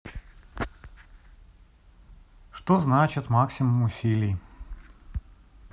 что значит максимум усилий